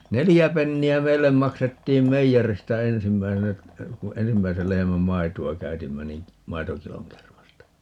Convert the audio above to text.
neljä penniä meille maksettiin meijeristä ensimmäisenä kun ensimmäisen lehmän maitoa käytimme niin maitokilon kermasta